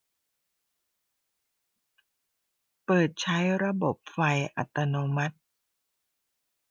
เปิดใช้ระบบไฟอัตโนมัติ